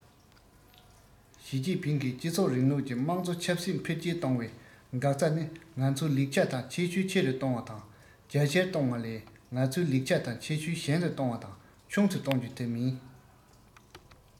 ཞིས ཅིན ཕིང གིས སྤྱི ཚོགས རིང ལུགས ཀྱི དམངས གཙོ ཆབ སྲིད འཕེལ རྒྱས གཏོང བའི འགག རྩ ནི ང ཚོའི ལེགས ཆ དང ཁྱད ཆོས ཆེ རུ གཏོང བ དང རྒྱ ཆེར གཏོང བ ལས ང ཚོའི ལེགས ཆ དང ཁྱད ཆོས ཞན དུ གཏོང བ དང ཆུང དུ གཏོང རྒྱུ དེ མིན